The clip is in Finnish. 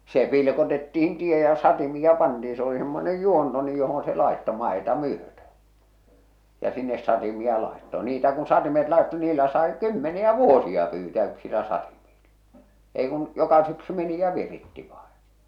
se pilkotettiin tie ja satimia pantiin se oli semmoinen juonto nyt johon se laittoi maata myöten ja sinne satimia laittoi niitä kun satimet laittoi niillä sai kymmeniä vuosia pyytää yksillä satimilla ei kuin joka syksy meni ja viritti vain